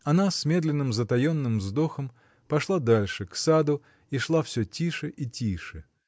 Она, с медленным, затаенным вздохом, пошла дальше, к саду, и шла всё тише и тише.